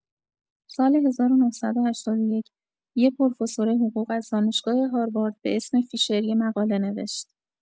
سال ۱۹۸۱ یه پرفسور حقوق از دانشگاه هاروارد به اسم فیشر یه مقاله نوشت